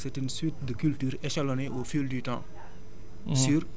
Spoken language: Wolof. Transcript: c' est une suite de culture écelonné au fil du temps